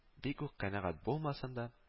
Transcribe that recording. Бик үк канәгать булмасам да